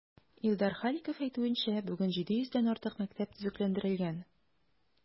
Илдар Халиков әйтүенчә, бүген 700 дән артык мәктәп төзекләндерелгән.